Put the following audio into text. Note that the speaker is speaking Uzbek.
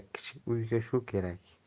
kichik uyga shu kerak